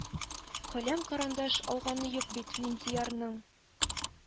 Каләм-карандаш алганы юк бит миндиярның.